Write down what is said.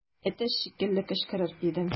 Әтәч шикелле кычкырыр идем.